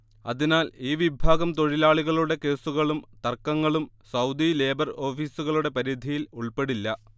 അതിനാൽ ഈ വിഭാഗം തൊഴിലാളികളുടെ കേസുകളും തർക്കങ്ങളും സൗദി ലേബർ ഓഫീസുകളുടെ പരിധിയിൽ ഉൾപ്പെടില്ല